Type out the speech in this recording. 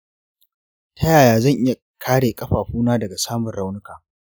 ta yaya zan iya kare ƙafafuna daga samun raunuka?